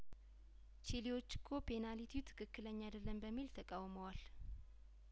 ቺሊዎች እኮ ፔናሊቲው ትክክለኛ አይደለም በሚል ተቃውመዋል